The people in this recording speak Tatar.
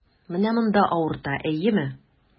Менә монда авырта, әйеме?